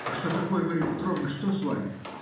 - Что такое, Марья Петровна, что с вами?